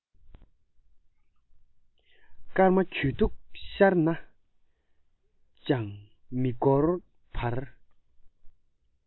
སྐར མ གྱོད གཏུགས ཤར ནས ཅང མི འགོར བར